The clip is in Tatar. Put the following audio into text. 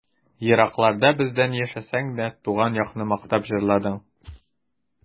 Еракларда бездән яшәсәң дә, Туган якны мактап җырладың.